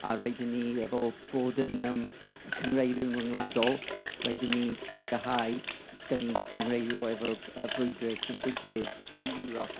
a raid i ni, efo fod yn yym cynghreirwyr ryngwladol, rhaid i ni sicrhau dan ni'n cynghreirio efo yy frwydrau sy'n digwydd yn Ewrop